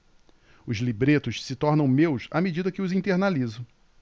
os libretos se tornam meus à medida que os internalizo